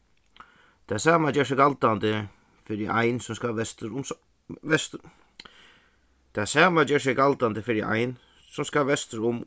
tað sama ger seg galdandi fyri ein sum skal vestur um tað sama ger seg galdandi fyri ein sum skal vestur um